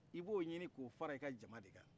i b'o ɲini k'o fara i ka jama de kan